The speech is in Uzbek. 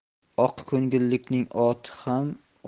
oqko'ngillikning oti ham